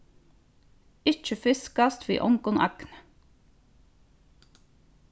ikki fiskast við ongum agni